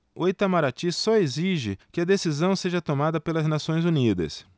o itamaraty só exige que a decisão seja tomada pelas nações unidas